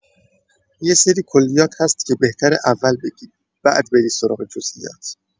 یه سری کلیات هست که بهتره اول بگی، بعد بری سراغ جزئیات.